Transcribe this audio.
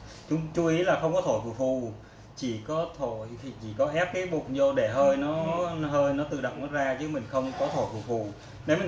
chú ý không thổi phù phù chỉ có ép bụng vào để hơi nó tự ra chứ mình không thổi phù phù